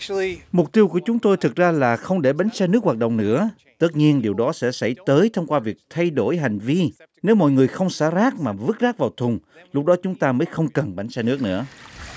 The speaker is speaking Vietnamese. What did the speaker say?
mục tiêu của chúng tôi thực ra là không để bến xe nước hoạt động nữa tất nhiên điều đó sẽ xảy tới thông qua việc thay đổi hành vi nếu mọi người không xả rác mà vứt rác vào thùng lúc đó chúng ta mới không cần bánh xe nước nữa